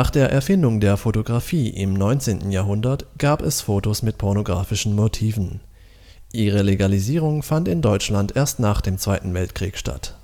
der Erfindung der Fotografie im 19. Jahrhundert gab es Fotos mit pornografischen Motiven. Ihre Legalisierung fand in Deutschland erst nach dem Zweiten Weltkrieg statt